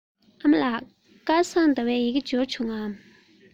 ཨ མ ལགས སྐལ བཟང ཟླ བའི ཡི གེ འབྱོར བྱུང ངམ